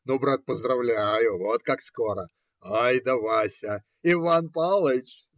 Ну, брат, поздравляю. Вот как скоро! Аи да Вася! Иван Павлыч!